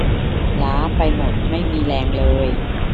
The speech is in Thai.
ล้าไปหมดไม่มีแรงเลย